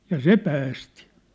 ja se päästi